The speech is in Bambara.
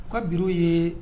Ko bi ye